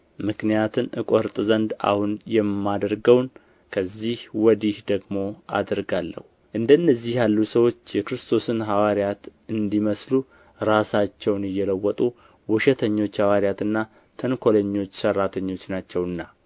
ምክንያትን እቆርጥ ዘንድ አሁን የማደርገውን ከዚህ ወዲህ ደግሞ አደርጋለሁ እንደ እነዚህ ያሉ ሰዎች የክርስቶስን ሐዋርያት እንዲመስሉ ራሳቸውን እየለወጡ ውሸተኞች ሐዋርያትና ተንኮለኞች ሠራተኞች ናቸውና